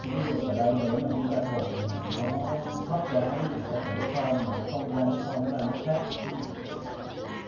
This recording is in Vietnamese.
ví dụ ở đây ta thổi nốt g mà nó thấp quá không ra nốt g mà nó ra nốt khác